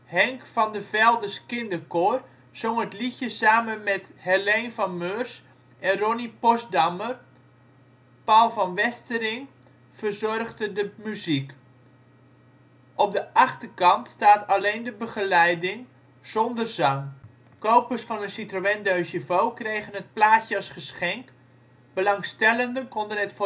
Henk van de Veldes Kinderkoor zong het liedje samen met Heleen van Meurs en Ronnie Postdammer, Paul Chr. van Westering verzorgde de muziek. Op de achterkant staat alleen de begeleiding, zonder zang. Kopers van een Citroën 2CV kregen het plaatje als geschenk, belangstellenden konden het